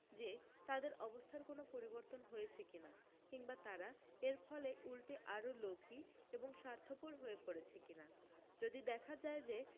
যে তাদের অবস্থার কোনো পরিবর্তন হয়েছে কিনা কিংবা তারা এর ফলে উল্টে আরো লোভী এবং স্বার্থপর হয়ে পড়েছে কিনা যদি দেখা যায় যে